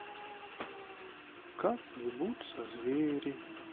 как ебутся звери